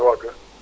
naka waa kër